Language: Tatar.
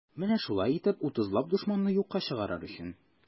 Менә шулай итеп, утызлап дошманны юкка чыгарыр өчен.